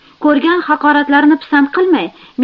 ko'rgan haqoratlarini pisand qilmay